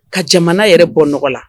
Ka jamana yɛrɛ bɔɔgɔ la